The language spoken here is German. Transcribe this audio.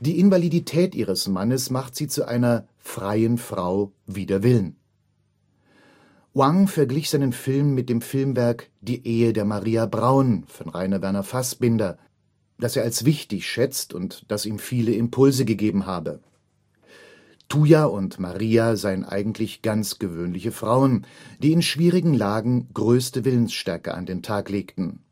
Invalidität ihres Mannes macht sie zu einer „ freien “Frau wider Willen. Wang verglich seinen Film mit dem Filmwerk Die Ehe der Maria Braun (1979) von Rainer Werner Fassbinder, das er als wichtig schätzt und das ihm viele Impulse gegeben habe. Tuya und Maria seien eigentlich ganz gewöhnliche Frauen, die in schwierigen Lagen größte Willensstärke an den Tag legten